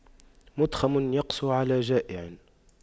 مُتْخَمٌ يقسو على جائع